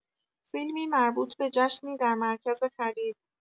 فیلمی مربوط به جشنی در مرکز خرید